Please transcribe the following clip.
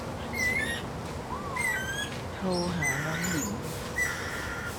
โทรหาน้องหญิง